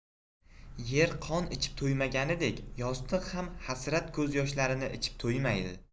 yer qon ichib to'ymaganidek yostiq ham hasrat ko'zyoshlarini ichib to'ymaydi